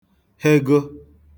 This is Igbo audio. hego